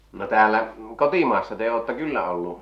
no täällä kotimaassa te olette kyllä ollut